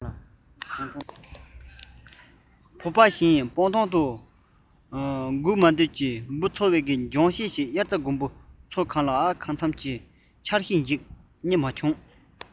བོད པ བཞིན སྤང ཐང དུ གུག མ དུད ཀྱིས འབུ འཚོལ བ རྒྱང ཤེལ གྱིས དབྱར རྩྭ དགུན འབུ འཚོལ གང ལ གང འཚམ གྱི འཆར གཞི ཞིག མ རྙེད